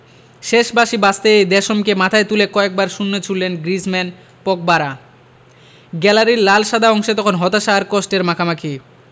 শেষ বাঁশি বাজতেই দেশমকে মাথায় তুলে কয়েকবার শূন্যে ছুড়লেন গ্রিজমান পগবারা গ্যালারির লাল সাদা অংশে তখন হতাশা আর কষ্টের মাখামাখি